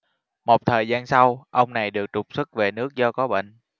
một thời gian sau ông này được trục xuất về nước do có bệnh